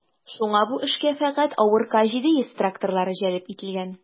Шуңа бу эшкә фәкать авыр К-700 тракторлары җәлеп ителгән.